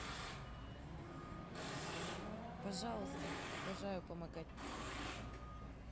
пожалуйста обожаю помогать тебе